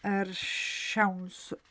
Yr siawns...